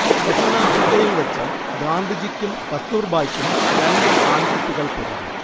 ദക്ഷിണാഫ്രിക്കയിൽ വച്ച് ഗാന്ധിജിക്കും കസ്തൂർബായ്ക്കും രണ്ട് ആൺകുട്ടികൾ പിറന്നു